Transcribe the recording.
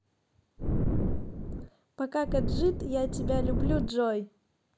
пока каджит я тебя люблю джой